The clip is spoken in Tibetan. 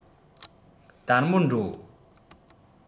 དལ མོར འགྲོ